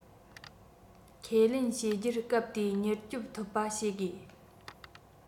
ཁས ལེན བྱེད རྒྱུར སྐབས དེའི མྱུར སྐྱོབ ཐུབ པ བྱེད དགོས